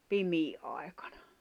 pimeän aikana